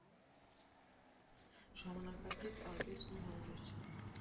Ժամանակակից արվեստն ու հանրությունը։